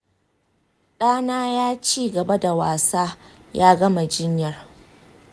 dana ya cigaba da wasa ya gama jinyar.